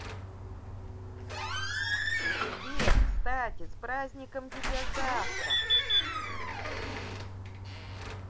сбер кстати с праздником тебя завтра